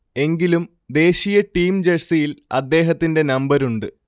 എങ്കിലും, ദേശീയ ടീം ജഴ്സിയിൽ അദ്ദേഹത്തിന്റെ നമ്പരുണ്ട്